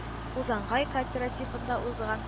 Хузангай кооператифында узган